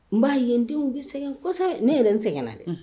N ba ye n denw bɛ sɛgɛn ne yɛrɛ n sɛgɛn na dɛ